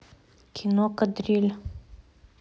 кино кадриль